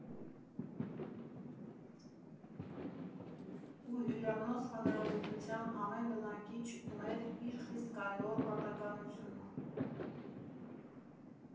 Ու հյուրանոց֊հանրապետության ամեն բնակիչ ուներ իր խիստ կարևոր պարտականությունը։